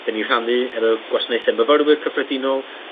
'Dyn ni rhannu efo gwasanaethe myfyrwyr cyffredinol.